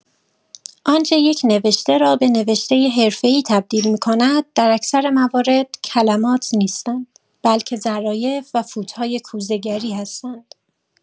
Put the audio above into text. آنچه یک نوشته را به نوشته حرفه‌ای تبدیل می‌کند، در اکثر موارد «کلمات» نیستند، بلکه ظرایف و فوت‌های کوزه‌گری هستند.